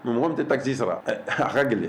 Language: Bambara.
Mɔgɔ min tɛ taxe sara